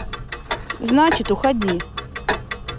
значит уходи